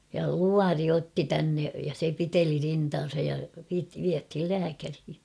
ja luoti otti tänne ja se piteli rintaansa ja - vietiin lääkäriin